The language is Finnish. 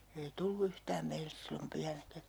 ei tullut yhtään meille silloin pyhänäkään